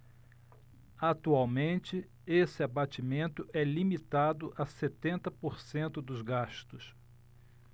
atualmente esse abatimento é limitado a setenta por cento dos gastos